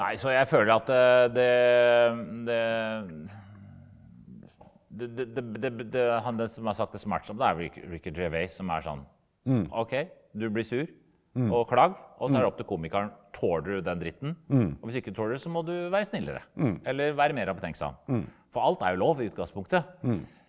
nei så jeg føler at det det det det det det det han den som har sagt det smarteste om det er Ricky Gervais som er sånn ok du blir sur og klag og så er det opp til komikeren tåler du den dritten og hvis ikke du tåler det så må du være snillere eller være mer omtenksom for alt er jo lov i utgangspunktet.